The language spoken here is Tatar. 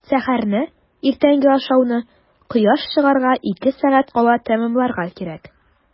Сәхәрне – иртәнге ашауны кояш чыгарга ике сәгать кала тәмамларга кирәк.